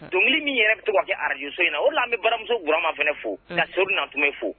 Dɔnkili min yɛrɛ bɛ to kɛ arajso in na olu la an bɛ baramusokurama fana fo ka souru na tun bɛ fo